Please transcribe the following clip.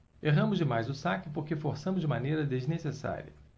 erramos demais o saque porque forçamos de maneira desnecessária